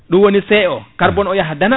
ɗum woni CO carbonne o yaha dana